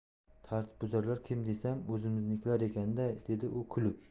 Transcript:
tartibbuzarlar kim desam o'zimiznikilar ekan da dedi u kulib